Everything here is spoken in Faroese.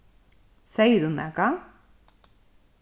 segði tú nakað